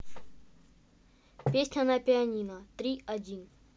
песня на пианино три один